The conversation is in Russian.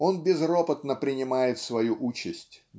он безропотно принимает свою участь